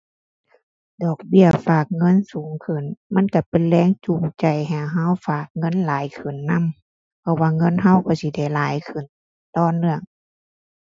ดอกเบี้ยฝากเงินสูงขึ้นมันก็เป็นแรงจูงใจให้ก็ฝากเงินหลายขึ้นนำ เพราะว่าเงินก็ก็สิได้หลายขึ้น ต่อเนื่อง